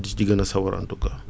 di ci gën a sawar en tout cas